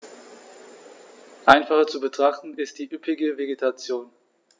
Einfacher zu betrachten ist die üppige Vegetation.